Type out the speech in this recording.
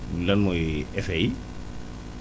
lan mooy effets yi